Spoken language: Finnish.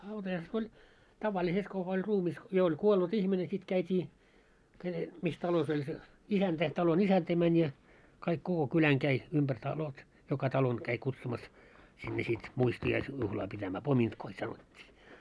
hautajaiset oli tavalliset kuka oli ruumis jo oli kuollut ihminen sitten käytiin - missä talossa oli se isäntä talon isäntä meni ja kaikki koko kylän kävi ympäri talot joka talon kävi kutsumassa sinne sitten - muistiaisjuhlaa pitämään pomintkoi sanottiin